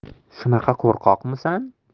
shunaqa qo'rqoqmisan